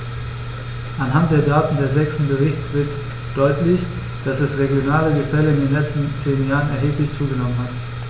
Anhand der Daten des sechsten Berichts wird deutlich, dass das regionale Gefälle in den letzten zehn Jahren erheblich zugenommen hat.